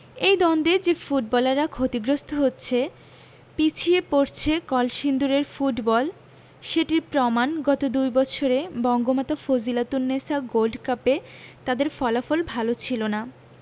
এই দ্বন্দ্বের যে ফুটবলাররা ক্ষতিগ্রস্ত হচ্ছে পিছিয়ে পড়ছে কলসিন্দুরের ফুটবল সেটির প্রমাণ গত দুই বছরে বঙ্গমাতা ফজিলাতুন্নেছা গোল্ড কাপে তাদের ফলাফল ভালো ছিল না